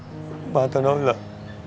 ba tao nói là